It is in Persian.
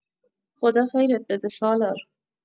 خدا خیرت بده سالار